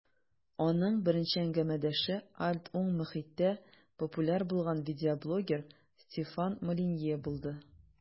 Аның беренче әңгәмәдәше "альт-уң" мохиттә популяр булган видеоблогер Стефан Молинье булды.